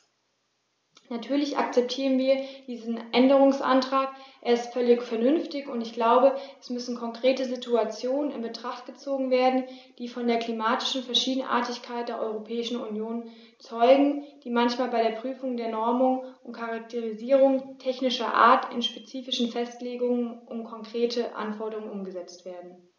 Natürlich akzeptieren wir diesen Änderungsantrag, er ist völlig vernünftig, und ich glaube, es müssen konkrete Situationen in Betracht gezogen werden, die von der klimatischen Verschiedenartigkeit der Europäischen Union zeugen, die manchmal bei der Prüfung der Normungen und Charakterisierungen technischer Art in spezifische Festlegungen und konkrete Anforderungen umgesetzt werden.